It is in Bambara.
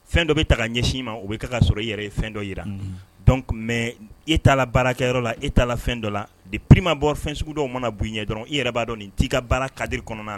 Fɛn dɔ be ta k'a ɲɛsin i ma o be kɛ ka sɔrɔ i yɛrɛ ye fɛn dɔ yira unhun donc mais e taala baarakɛyɔrɔ la e taala fɛn dɔ la de prime à bord fɛn sugudɔw mana bu i ɲɛ dɔrɔn i yɛrɛ b'a dɔn nin t'i ka baara cadre kɔnɔna